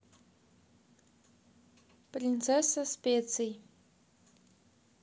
принцесса специй